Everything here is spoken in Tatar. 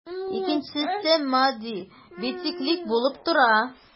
Икенчесе матдә бициклик булып тора.